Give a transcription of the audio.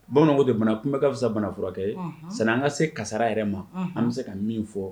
Bamananw ko ten bana kun bɛ ka fisa bana furakɛ ye. Ɔnhɔn! sanni an ka se kasara yɛrɛ ma,. Ɔnhɔn. An bɛ se ka min fɔ